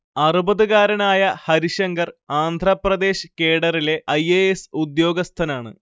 അറുപതുകാരനായ ഹരിശങ്കർ ആന്ധ്രപ്രദേശ് കേഡറിലെ I. A. S ഉദ്യോഗസ്ഥനാണ്